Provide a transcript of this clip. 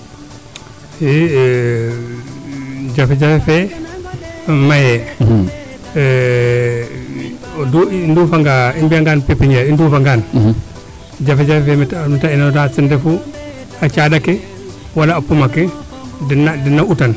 i jafe jafe fee mayee i nduufa nga i mbiya ngaan pepiniere i nduufa ngaan jafe jafe fee meete inoorta ten refu a caanda ke wala a pom a ke den na utan